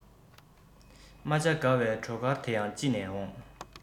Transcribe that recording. རྨ བྱ དགའ བའི བྲོ གར དེ ཡང ཅི ནས འོང